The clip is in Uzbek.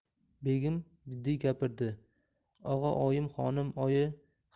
begim jiddiy gapirdi og'a oyim